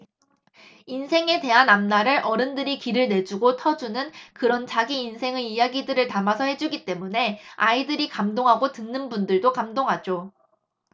인생에 대한 앞날을 어른들이 길을 내주고 터주는 그런 자기 인생의 이야기들을 담아서 해주기 때문에 아이들이 감동하고 듣는 분들도 감동하죠